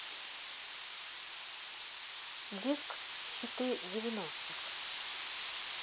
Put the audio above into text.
диск хиты девяностых